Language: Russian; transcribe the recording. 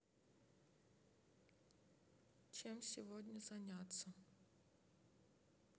чем сегодня заняться